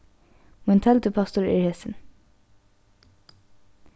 mín teldupostur er hesin